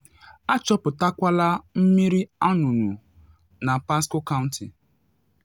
Achọpụtakwala Mmiri Anụnụ na Pasco County.